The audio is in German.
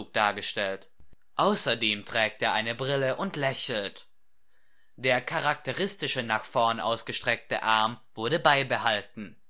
dargestellt. Außerdem trägt er eine Brille und lächelt. Der charakteristische nach vorn ausgestreckte Arm wurde beibehalten